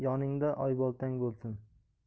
yoningda oyboltang bo'lsin